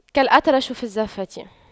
كالأطرش في الزَّفَّة